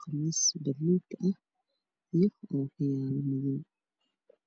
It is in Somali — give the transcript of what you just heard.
cadaan ah